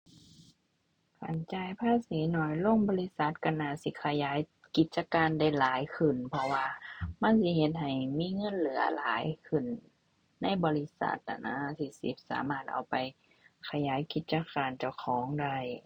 การจ่ายภาษีน้อยลง บริษัทก็น่าสิขยายกิจการได้หลายขึ้น เพราะว่ามันสิเฮ็ดให้มีเงินเหลือหลายขึ้นในบริษัทนั้นนะ ที่สิสามารถเอาไปขยายกิจการเจ้าของได้